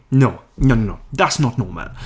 No no no. That's not normal.